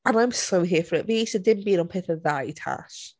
And I'm so here for it. Fi isie dim byd ond pethau dda i Tash.